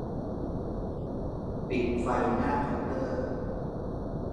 ปิดไฟหน้าเคาน์เตอร์